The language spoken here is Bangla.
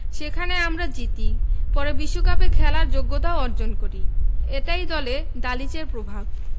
সেখানে আমরা জিতি পরে বিশ্বকাপে খেলার যোগ্যতাও অর্জন করি এটাই দলে দালিচের প্রভাব